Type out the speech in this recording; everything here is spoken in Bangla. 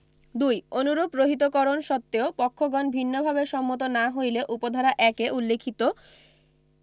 ২ অনুরূপ রহিতকরণ সত্ত্বেও পক্ষগণ ভিন্নভাবে সম্মত না হইলে উপ ধারা ১ এ উল্লিখিত